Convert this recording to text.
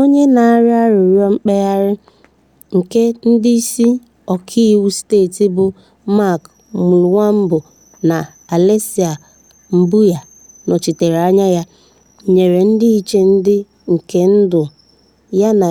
Onye na-arịọ arịrịọ mkpegharị, nke ndị isi ọkaiwu steeti bụ Mark Mulwambo na Alesia Mbuya nọchitere anya ya, nyere ndịiche ndị nke ndụ yana